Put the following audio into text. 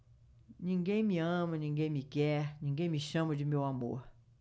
ninguém me ama ninguém me quer ninguém me chama de meu amor